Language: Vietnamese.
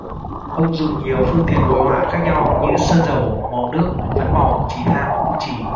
ông dùng nhiều phương tiện hội họa khác nhau như sơn dầu màu nước phấn màu chì than bút chì